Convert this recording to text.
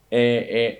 Ee ee